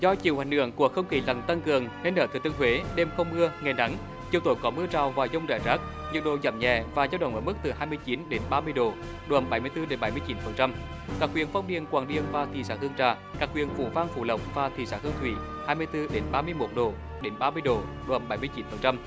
do chịu ảnh hưởng của không khí lạnh tăng cường nên ở thừa thiên huế đêm không mưa ngày nắng chiều tối có mưa rào và dông rải rác nhiệt độ giảm nhẹ và dao động ở mức từ hai mươi chín đến ba mươi độ độ ẩm bảy mươi tư đến bảy mươi chín phần trăm các huyện phong điền quảng điền và thị xã hương trà các huyện phú vang phú lộc và thị xã hương thủy hai mươi tư đến ba mươi mốt độ đến ba mươi độ độ ẩm bảy mươi chín phần trăm